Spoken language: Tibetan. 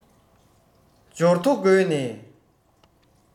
འབྱོར ཐོ འགོད གནས